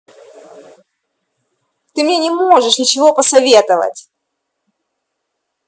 ты мне не можешь ничего посоветовать